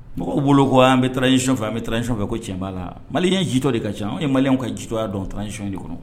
Mɔgɔw bolo ko an bɛsisinfɛ an bɛfɛ ko cɛ'a la mali ɲɛ jitɔ de ka ca ni ye mali ka jitoya dɔnsiy de kɔnɔ